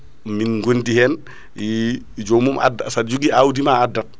min gondi hen jomum adda saɗa jogui awdima a addat